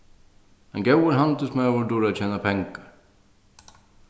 ein góður handilsmaður dugir at tjena pengar